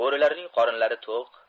bo'rilarning qorinlari to'q